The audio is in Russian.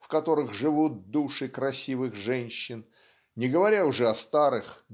в которых живут души красивых женщин не говоря уже о старых